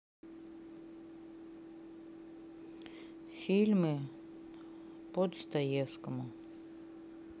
фильмы по достоевскому